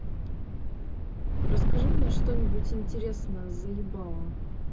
расскажи мне что нибудь интересное заебало